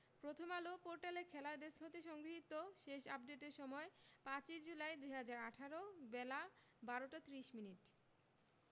প্রথমআলো পোর্টালের খেলা ডেস্ক হতে সংগৃহীত শেষ আপডেটের সময় ৫ই জুলাই ২০১৮ বেলা ১২টা ৩০মিনিট